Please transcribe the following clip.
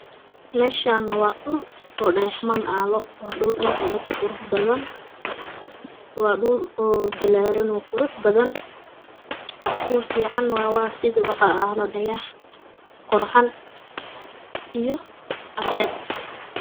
Meshane waa dhul oo dhagaxan aalo waa dhul aaad iyo aad u qurux badan waa dhul oo balaraan qurux badan dhul fican wye waa sida wax aalo dhagax qurxan iyo cadceed